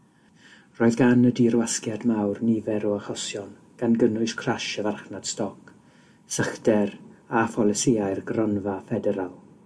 Roedd gan y Dirwasgiad Mawr nifer o achosion, gan gynnwys crash y farchnad stoc, sychder, a pholisïau'r Gronfa Ffederal.